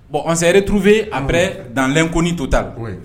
bon ob s'est retrouvé après dans l'inconnu total